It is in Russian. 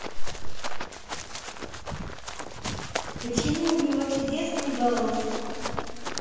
почему у него чудесный голос